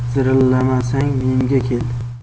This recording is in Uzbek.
ich zirillamasang menga kel